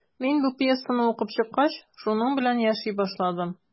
Мин бу пьесаны укып чыккач, шуның белән яши башладым.